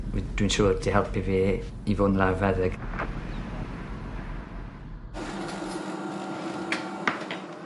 wi dwi'n siŵr 'di helpu fi i fod yn lawfeddyg